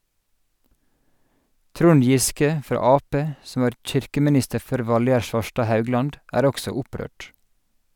Trond Giske fra Ap, som var kirkeminister før Valgerd Svarstad Haugland, er også opprørt.